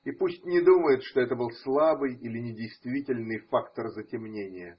И пусть не думают, что это был слабый или недействительный фактор затемнения!